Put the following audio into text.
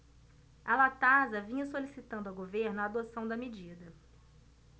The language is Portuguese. a latasa vinha solicitando ao governo a adoção da medida